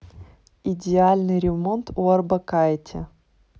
идеальный ремонт у орбакайте